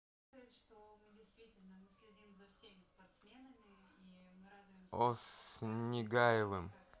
о с нагиевым